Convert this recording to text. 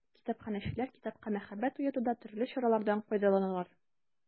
Китапханәчеләр китапка мәхәббәт уятуда төрле чаралардан файдаланалар.